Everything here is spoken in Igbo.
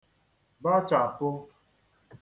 bachàpu